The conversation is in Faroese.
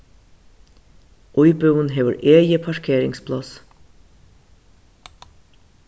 íbúðin hevur egið parkeringspláss